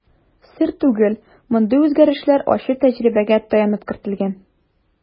Сер түгел, мондый үзгәрешләр ачы тәҗрибәгә таянып кертелгән.